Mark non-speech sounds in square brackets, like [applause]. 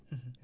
[hesitation] [hesitation]